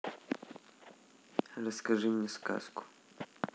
расскажи мне сказку